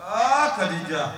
Aa Kadija